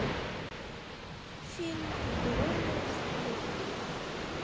фильм ирония любви